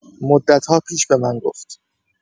مدت‌ها پیش به من گفت